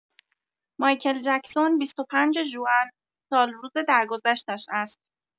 مایکل جکسون ۲۵ ژوئن، سالروز درگذشتش است.